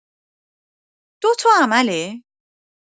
دو تا عمله؟!